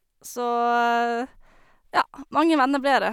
Så, ja, mange venner ble det.